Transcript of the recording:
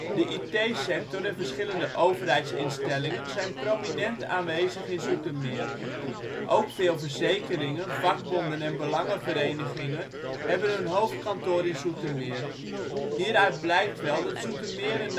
De IT-sector en diverse overheidsinstellingen zijn prominent aanwezig in Zoetermeer. Ook veel verzekeringen, vakbonden en belangenverenigingen hebben hun hoofdkantoor in Zoetermeer. Hieruit blijkt wel dat Zoetermeer